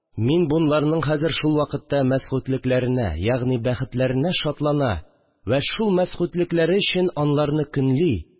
Мин боларның хәзер шул вакытта мәсгудлекләренә, ягъни бәхетләренә шатлана вә шул мәсгудлекләре өчен аларны көнли